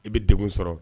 I bɛ degun sɔrɔ